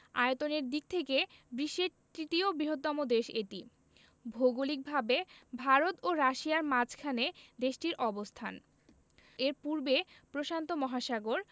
আয়তনের দিক থেকে বিশ্বের তৃতীয় বৃহত্তম দেশ এটি ভৌগলিকভাবে ভারত ও রাশিয়ার মাঝখানে দেশটির অবস্থান এর পূর্বে প্রশান্ত মহাসাগর